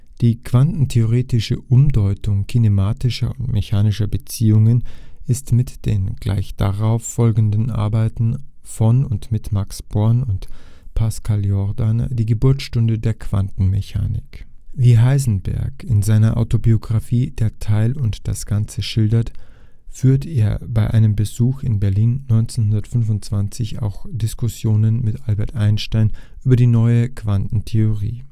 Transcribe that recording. Die Quantentheoretische Umdeutung kinematischer und mechanischer Beziehungen ist mit den gleich darauf folgenden Arbeiten von und mit Max Born und Pascual Jordan die Geburtsstunde der Quantenmechanik. Wie Heisenberg in seiner Autobiographie Der Teil und das Ganze schildert, führte er bei einem Besuch in Berlin 1925 auch Diskussionen mit Albert Einstein über die neue Quantentheorie